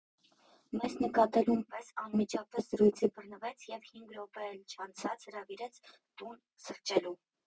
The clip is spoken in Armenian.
Մեզ նկատելուն պես անմիջապես զրույցի բռնվեց և հինգ րոպե էլ չանցած հրավիրեց տուն՝ սրճելու։